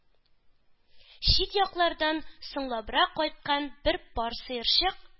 Чит яклардан соңлабрак кайткан бер пар сыерчык